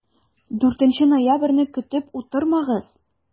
4 ноябрьне көтеп утырмагыз!